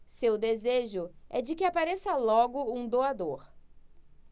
seu desejo é de que apareça logo um doador